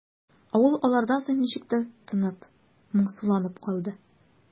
Авыл алардан соң ничектер тынып, моңсуланып калды.